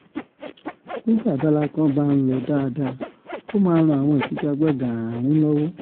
Nígbà abala kan bá ń lọ dáadáa, ó máa rán àwon ìfigagbaga ààrín lọ́wọ̀.